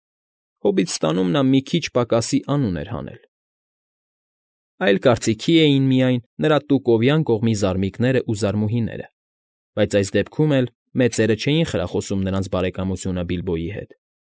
Հոբիտստանում նա «մի քիչ պակասի» անուն էր հանել, այլ կարծիքի էին միայն նրա տուկովյան կողմի զարմիկներն ու զարմուհիները, բայց այս դեպքում էլ մեծերը չէին խրախուսում նրանց բարեկամությունը Բիլբոյի հետ։